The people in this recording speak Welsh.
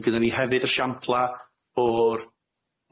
Ma' gynnon ni hefyd esiampla o'r,